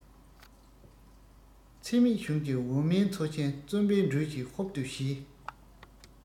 ཚད མེད གཞུང ཀྱི འོ མའི མཚོ ཆེན བརྩོན པའི འགྲོས ཀྱིས ཧུབ ཏུ བཞེས